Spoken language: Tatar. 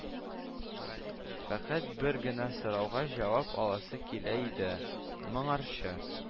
Фәкать бер генә сорауга җавап аласы килә иде: моңарчы